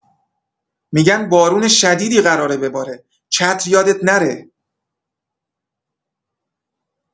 می‌گن بارون شدیدی قراره بباره، چتر یادت نره.